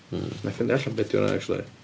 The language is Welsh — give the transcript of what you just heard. Wnai ffeindio allan be' 'di o acshyli.